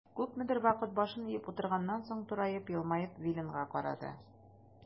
Күпмедер вакыт башын иеп утырганнан соң, тураеп, елмаеп Виленга карады.